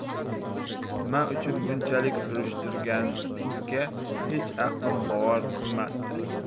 nima uchun bunchalik surishtirganiga hech aqlim bovar qilmasdi